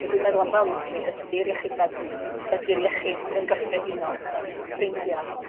Be' dwi'n meddwl am values fi ydi'r iechyd meddwl ydi'r iechyd yn gyffredinol ffrindia,